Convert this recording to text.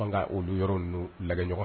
Ka olu yɔrɔ n la ɲɔgɔn